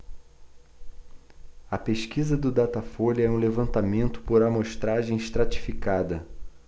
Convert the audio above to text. a pesquisa do datafolha é um levantamento por amostragem estratificada